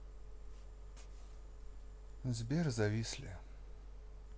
сбер зависли